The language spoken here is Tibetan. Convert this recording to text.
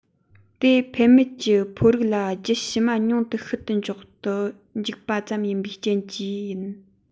དེས ཕན མེད ཀྱི ཕོ རིགས ལ རྒྱུད ཕྱི མ ཉུང ངུ ཤུལ དུ འཇོག ཏུ འཇུག པ ཙམ ཡིན པའི རྐྱེན གྱིས ཡིན